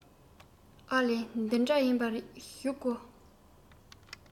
ཨ ལས དེ འདྲ ཡིན པ རེད བཞུགས དགོ